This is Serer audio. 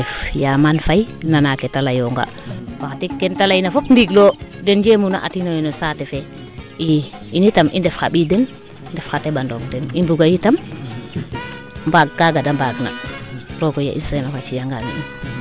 te ref Ya Mane Faye nana keete leyoonga wax deg ke te leyna fop ndigiloo den njemuna atinoyo no saate fee i ini tam i ndef xa ɓiy den ndef xa teɓanong i mbuga yitam mbaag kaaga de mbaag na roogsa ye'es Sene a ci'ya ngaana in